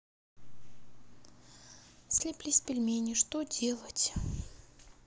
слиплись пельмени что делать